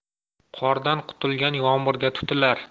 qordan qutulgan yomg'irga tutilar